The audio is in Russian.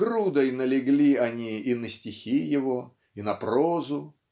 Грудой налегли оне и на стихи его, и на прозу.